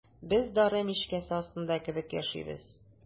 Без дары мичкәсе өстендә кебек яшибез.